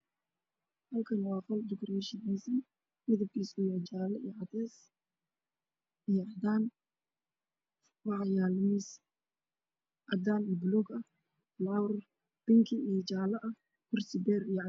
Halkan waa qol docration-san midabkisa waa jaale iyo cadeea iyo cadan waxa yala miis cadan balug ah flowr bink iyo jale kursi beer iyo ca